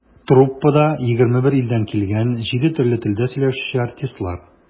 Труппада - 21 илдән килгән, җиде төрле телдә сөйләшүче артистлар.